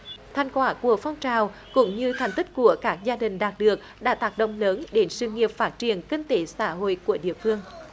thành quả của phong trào cũng như thành tích của các gia đình đạt được đã tác động lớn đến sự nghiệp phát triển kinh tế xã hội của địa phương